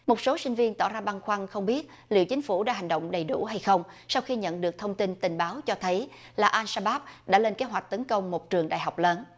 một số sinh viên tỏ ra băn khoăn không biết liệu chính phủ đã hành động đầy đủ hay không sau khi nhận được thông tin tình báo cho thấy là a sa báp đã lên kế hoạch tấn công một trường đại học lớn